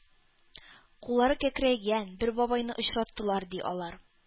Куллары кәкрәйгән бер бабайны очраттылар, ди, алар.